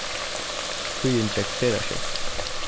tíðin gekk sera skjótt